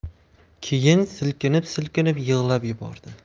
keyin silkinib silkinib yig'lab yubordi